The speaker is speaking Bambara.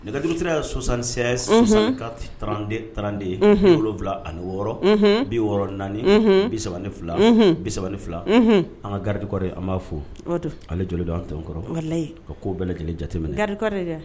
Nɛgɛjurusira ye 76 64 32 32 bi wolonula ani wɔɔrɔ, unhun, bi wɔɔrɔ ni naani, unhun, bi saba ni fila bi saba ni fila an ka garde du corps an b'a fo, o don, ale jɔlen don denw an tɔn kɔrɔ ka ko bɛɛ lajɛlen jateminɛ garde du corps ye jɔn ye